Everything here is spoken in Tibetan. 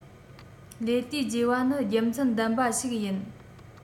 ལས དུས བརྗེ བ ནི རྒྱུ མཚན ལྡན པ ཞིག ཡིན